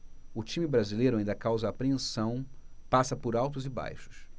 o time brasileiro ainda causa apreensão passa por altos e baixos